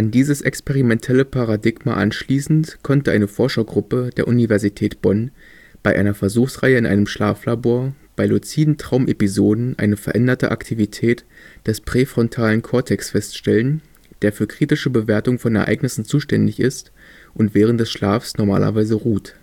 dieses experimentelle Paradigma anschließend konnte eine Forschergruppe der Universität Bonn bei einer Versuchsreihe in einem Schlaflabor bei luziden Traumepisoden eine veränderte Aktivität des präfrontalen Cortex feststellen, der für kritische Bewertung von Ereignissen zuständig ist und während des Schlafs normalerweise ruht